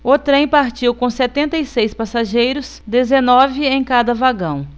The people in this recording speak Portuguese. o trem partiu com setenta e seis passageiros dezenove em cada vagão